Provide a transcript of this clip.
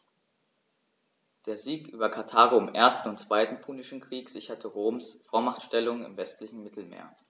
Der Sieg über Karthago im 1. und 2. Punischen Krieg sicherte Roms Vormachtstellung im westlichen Mittelmeer.